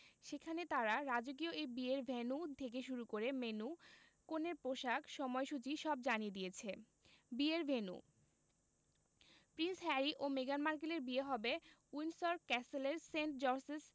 সেখানে তারা রাজকীয় এই বিয়ের ভেন্যু থেকে শুরু করে মেন্যু কনের পোশাক সময়সূচী সব জানিয়ে দিয়েছে বিয়ের ভেন্যু প্রিন্স হ্যারি ও মেগান মার্কেলের বিয়ে হবে উইন্ডসর ক্যাসেলের সেন্ট জর্জেস